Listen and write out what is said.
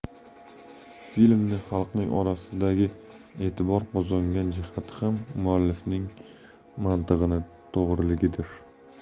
filmni xalqning orasidagi e'tibor qozongan jihati ham muallifning mantig'ini to'g'riligidir